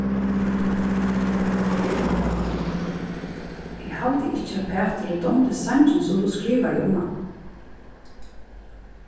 eg haldi ikki at pæturi dámdi sangin sum tú skrivaði um hann